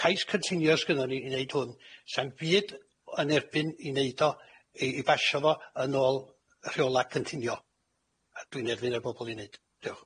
Cais cynllunio s'gynnon ni i neud hwn. S'a'm byd yn erbyn 'i neud o- 'i 'i basio fo yn ôl rheola' cynllunio, a dwi'n erfyn ar bobol i neud. Diolch